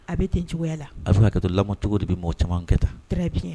A bɛ ten cogoyaya la a bɛ fɛ' ka to lamɔma cogo de bɛ mɔgɔ camankɛ tan bi